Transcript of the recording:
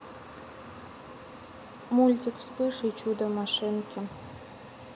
мультик вспыш и чудо машинки